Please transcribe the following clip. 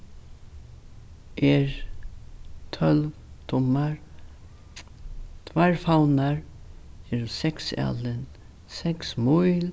er tólv tummar tveir favnar eru seks alin seks míl